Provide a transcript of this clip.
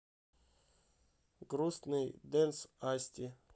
грустный дэнс асти